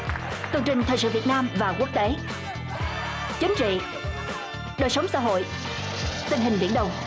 tường trình thời sự việt nam và quốc tế chính trị đời sống xã hội tình hình biển đông